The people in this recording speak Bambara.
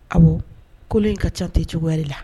Awɔ, kolo in ka caa tɛ o cogoya de la.